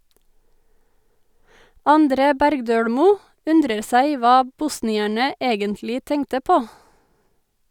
André Bergdølmo undrer seg hva bosnierne egentlig tenkte på.